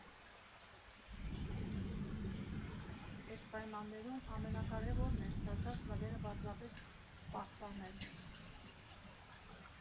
Էդ պայմաններում ամենակարևորն էր ստացած նվերը պարզապես պահպանել։